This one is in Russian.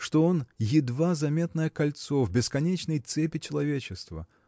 что он едва заметное кольцо в бесконечной цепи человечества